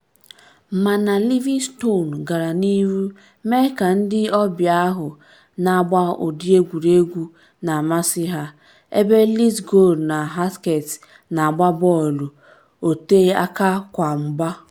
Mana Livingston gara n’ihu ime ka ndị ọbịa ahụ na-agba ụdị egwuregwu na-amasị ha, ebe Lithgow na Halkett na-agba bọọlụ ote aka kwa mgbe.